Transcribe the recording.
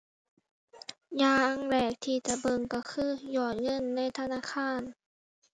อย่างแรกที่จะเบิ่งก็คือยอดเงินในธนาคาร